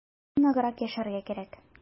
Тыйнаграк яшәргә кирәк.